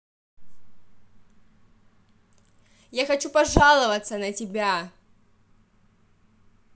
я хочу пожаловаться на тебя